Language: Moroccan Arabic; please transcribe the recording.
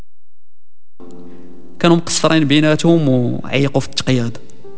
كم تشترين بيناتهم القياده